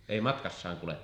ei matkassaan kuljettaneet